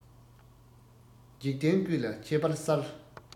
འཇིག རྟེན ཀུན ལ ཁྱབ པར གསལ